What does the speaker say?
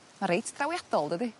ma' reit drawiadol dydi?